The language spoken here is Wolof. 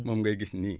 moom ngay gis nii